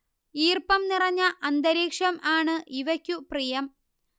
ഈർപ്പം നിറഞ്ഞ അന്തരീക്ഷം ആണ് ഇവയ്ക്കു പ്രിയം